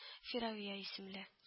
– фирәвия исемле